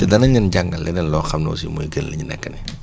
te danañ leen jàngal lenn loo xam ne aussi mooy gën li ñu nekk nii